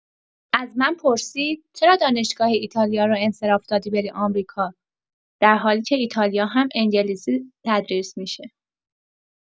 از من پرسید چرا دانشگاه ایتالیا رو انصراف دادی بری آمریکا در حالی که ایتالیا هم انگلیسی تدریس می‌شه.